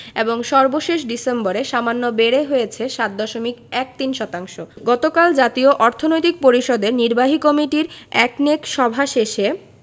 এবং সর্বশেষ ডিসেম্বরে সামান্য বেড়ে হয়েছে ৭ দশমিক ১৩ শতাংশ গতকাল জাতীয় অর্থনৈতিক পরিষদের নির্বাহী কমিটির একনেক সভা শেষে